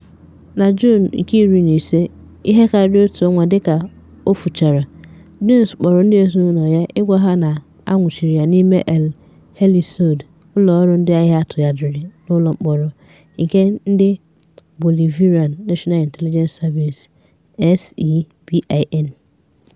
Na Juun 15, ihe karịrị otu ọnwa dịka o fuchara, Jaimes kpọrọ ndị ezinaụlọ ya ịgwa ha na a nwụchiri ya n'ime El Helicoide, ụlọọrụ ndịagha atụgharịrị n'ụlọmkpọrọ nke ndị Bolivarian National Intelligence Service (SEBIN).